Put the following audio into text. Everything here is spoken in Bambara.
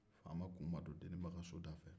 faama kun ma don deniba ka soda fɛ